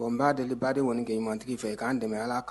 Bon n'a deli ba de kɔni kɛ mantigi fɛ yen k'a dɛmɛ ala kan